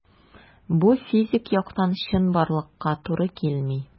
Бу физик яктан чынбарлыкка туры килми.